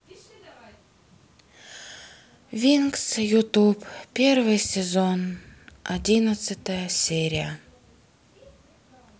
винкс ютуб первый сезон одиннадцатая серия